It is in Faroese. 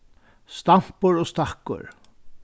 stampur og stakkur